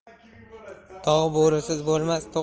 tog' bo'risiz bo'lmas